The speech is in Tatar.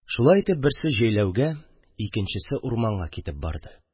Шулай итеп, берсе җәйләүгә, икенчесе урманга китеп барды.